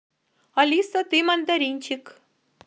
алиса ты мандаринчик